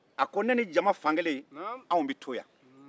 a ko ne ni jama fan kelen anw bɛ to yan